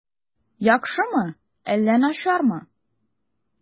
Яхшымы әллә начармы?